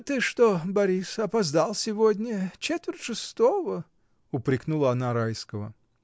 Ты что, Борис, опоздал сегодня: четверть шестого! — упрекнула она Райского.